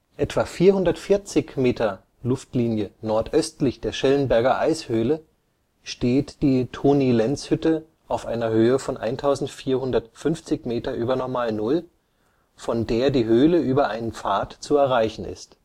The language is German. Etwa 440 m (Luftlinie) nordöstlich der Schellenberger Eishöhle steht die Toni-Lenz-Hütte (1450 Meter über Normalnull), von der die Höhle über einen Pfad zu erreichen ist